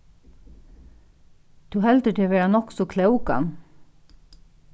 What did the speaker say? tú heldur teg vera nokk so klókan